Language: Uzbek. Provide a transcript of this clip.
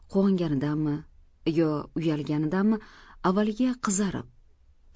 quvonganidanmi yo uyalganidanmi avvaliga qizarib